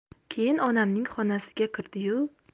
keyin onamning xonasiga kirdi yu